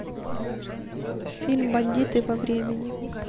фильм бандиты во времени